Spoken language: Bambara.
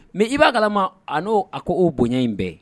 Mais i b'a kalama a n'o, a k'o bonya in bɛɛ, unhun.